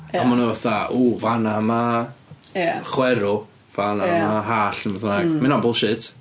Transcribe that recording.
Ia... A maen nhw fatha "ww fan'na ma"... Ia... "chwerw, fan'na ma hallt, neu beth bynnag." Mae hynna'n bullshit.